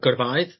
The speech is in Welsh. gyrfaoedd